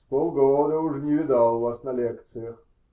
С полгода уже не видал вас на лекциях.